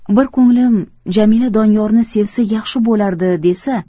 bir ko'nglim jamila doniyorni sevsa yaxshi bo'lardi desa